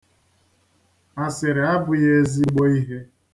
Asịrị abụghị ezigbo ihe.